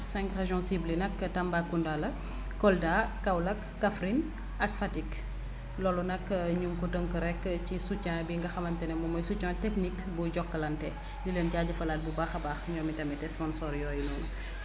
cinq régions cibles yi nag Tambacounda la Kolda Kaolack Kaffrine ak Fatick loolu nag ñu ngi ko tënk rekk ci soutien bi nga xamante ne moom mooy soutien technique bu Jokalante di leen jaajëfaat bu baax a baax ñoom itamit sponsors yooyu noonu